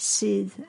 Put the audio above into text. sydd